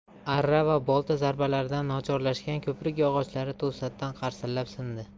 arra va bolta zarbalaridan nochorlashgan ko'prik yog'ochlari to'satdan qarsillab sindi